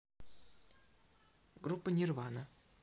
группа нирвана